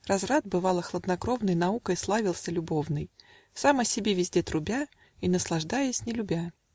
Разврат, бывало, хладнокровный Наукой славился любовной, Сам о себе везде трубя И наслаждаясь не любя.